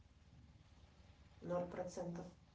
ноль процентов